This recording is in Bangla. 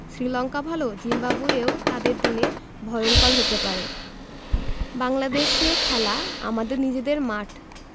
শ্রীলঙ্কা ভালো জিম্বাবুয়েও তাদের দিনে ভয়ংকর হতে পারে বাংলাদেশে খেলা আমাদের নিজেদের মাঠ